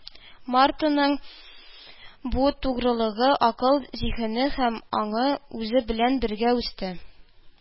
«марта»ның бу тугрылыгы, акыл, зиһене һәм аңы үзе белән бергә үсте